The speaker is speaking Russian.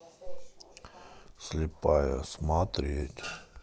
слепая смотреть